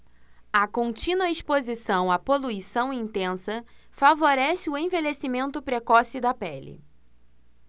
a contínua exposição à poluição intensa favorece o envelhecimento precoce da pele